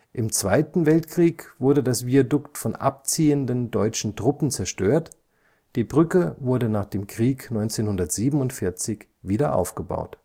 Im Zweiten Weltkrieg wurde das Viadukt von abziehenden deutschen Truppen zerstört, die Brücke wurde nach dem Krieg 1947 wiederaufgebaut